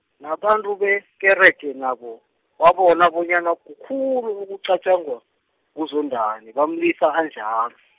nabantu bekerege nabo, babona bonyana kukhulu okucatjangwa, nguZondani bamlisa anjal-.